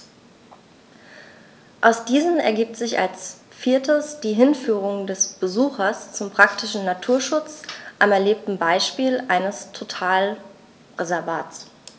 Aus diesen ergibt sich als viertes die Hinführung des Besuchers zum praktischen Naturschutz am erlebten Beispiel eines Totalreservats.